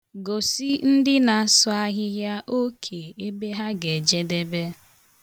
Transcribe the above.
Gosi ndị na-asụ ahịhịa oke ebe ha ga-ejedebe.